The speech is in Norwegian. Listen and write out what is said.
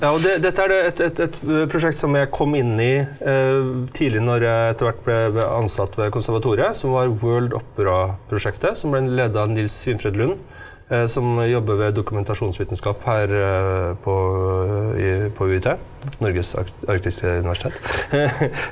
ja og det dette er det et et et prosjekt som jeg kom inn i tidlig når jeg etter hvert ble ble ansatt ved konservatoriet som var World Opera-prosjektet som ble leda av Niels Windfeld Lund som jobber ved dokumentasjonsvitenskap her på i på UiT Norges arktiske universitet .